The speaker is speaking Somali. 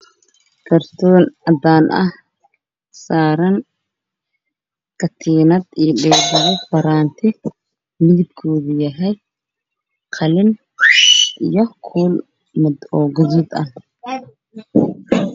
Kartoon cadaan ah saaran katiinad iyo faraantiyo